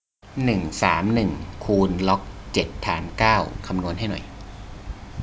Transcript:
หนึ่งสามหนึ่งคูณล็อกเจ็ดฐานเก้าคำนวณให้หน่อย